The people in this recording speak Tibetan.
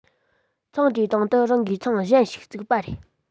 ཚང དེའི སྟེང དུ རང གིས ཚང གཞན ཞིག རྩིག པ རེད